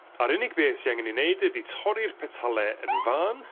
A'r unig beth sy angen 'i neud ydi torri'r petale yn fan